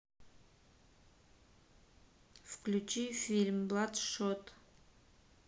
включи фильм бладшот